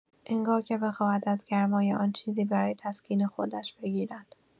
انگار که بخواهد از گرمای آن، چیزی برای تسکین خودش بگیرد.